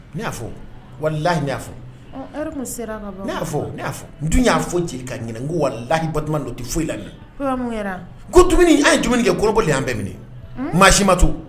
Ne y'a fɔ wali lahiyi y'a fɔ ne y'a fɔ y'a fɔ n dun y'a fɔ jeli ɲininkun wala lahi don tɛ foyi la ko an ye dumuni kɛ koloko y' an bɛ minɛ maa si matu